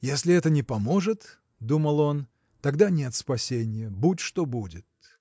Если это не поможет, – думал он, – тогда нет спасенья! будь что будет!